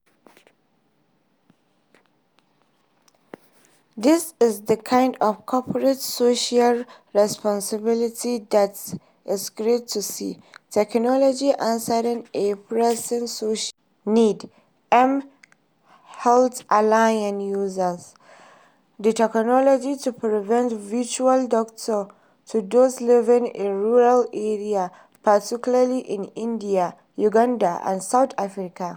“This is the kind of corporate social responsibility that's great to see — technology answering a pressing social need…mHealth Alliance uses the technology to provide virtual doctors to those living in rural areas, particularly in India, Uganda and South Africa.”